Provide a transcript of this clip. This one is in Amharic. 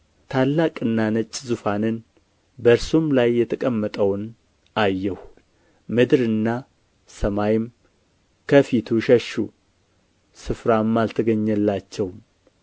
ታላቅና ነጭ ዙፋንን በእርሱም ላይ የተቀመጠውን አየሁ ምድርና ሰማይም ከፊቱ ሸሹ ስፍራም አልተገኘላቸውም